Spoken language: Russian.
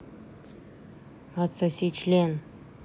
отсоси член